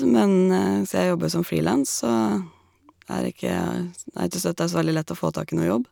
Men sia jeg jobber som freelance, så er det ikke a s er det ikke støtt det er så veldig lett å få tak i noe jobb.